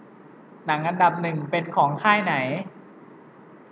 หนังอันดับหนึ่งเป็นของค่ายไหน